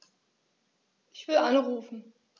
Ich will anrufen.